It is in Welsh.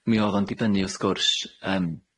Mi o'dd o'n dibynnu wrth gwrs yym,